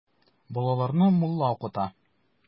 Балаларны мулла укыта.